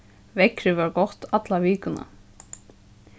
veðrið var gott alla vikuna